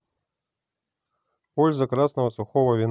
польза красного сухого вина